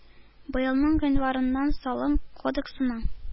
Быелның гыйнварыннан Салым кодексына